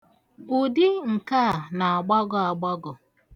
Udi nke a na-agbagọ agbagọ.